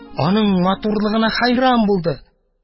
Аның матурлыгына хәйран булды.